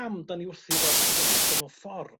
pam 'da ni wrthi 'fo'r podlediada mewn ffor